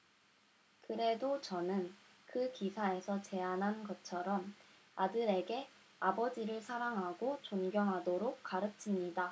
그래도 저는 그 기사에서 제안한 것처럼 아들에게 아버지를 사랑하고 존경하도록 가르칩니다